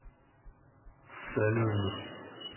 салют б